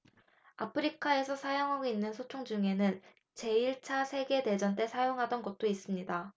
아프리카에서 사용하고 있는 소총 중에는 제 일 차 세계 대전 때 사용하던 것도 있습니다